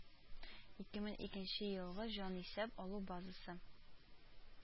Ике мең икенче елгы җанисәп алу базасы